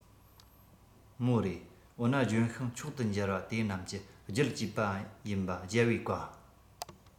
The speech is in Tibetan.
མོ རེ འོ ན ལྗོན ཤིང མཆོག ཏུ འགྱུར པ དེ རྣམས ཀྱི རྒྱུད བཅས ཡིན པ རྒྱལ བའི བཀའ